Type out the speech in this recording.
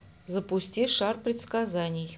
запусти шар предсказаний